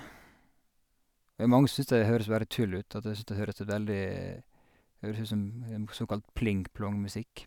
Mange syns det høres bare tull ut, at de syns det høres det veldig høres ut som såkalt pling-plong-musikk.